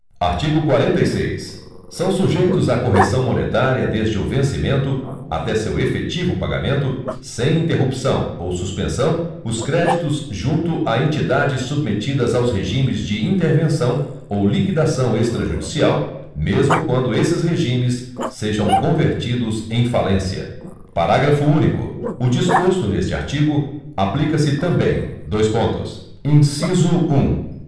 artigo quarenta e seis são sujeitos à correção monetária desde o vencimento até seu efetivo pagamento sem interrupção ou suspensão os créditos junto a entidades submetidas aos regimes de intervenção ou liquidação extrajudicial mesmo quando esses regimes sejam convertidos em falência parágrafo único o disposto neste artigo aplica se também dois pontos inciso um